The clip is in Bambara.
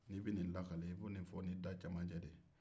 n'i bɛ nin lakale i bɛ nin fɔ n'i da cɛmancɛ de ye